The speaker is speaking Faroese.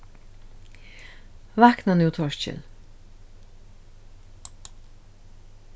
vakna nú torkil